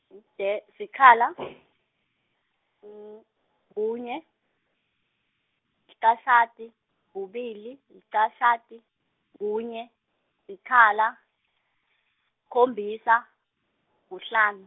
nde- sikhala , kunye, licashata, kubili, licashata, kunye, sikhala, sikhombisa, kusihlanu.